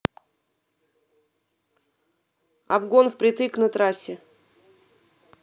обгон впритык на трассе